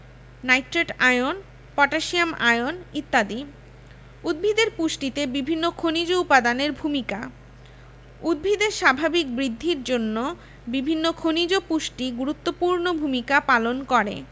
nitrate ion potassium ion ইত্যাদি উদ্ভিদের পুষ্টিতে বিভিন্ন খনিজ উপাদানের ভূমিকা উদ্ভিদের স্বাভাবিক বৃদ্ধির জন্য বিভিন্ন খনিজ পুষ্টি গুরুত্বপূর্ণ ভূমিকা পালন করে